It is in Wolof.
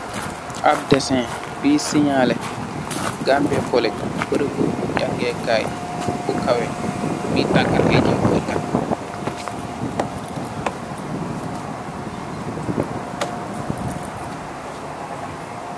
Ap dèseh bui siñaleh Gambia College barabu jangèè kai bu kawèh bi tagat jangaleh Kai.